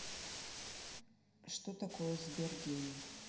что такое сбер гейм